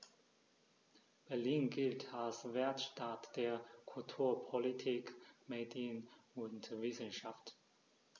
Berlin gilt als Weltstadt der Kultur, Politik, Medien und Wissenschaften.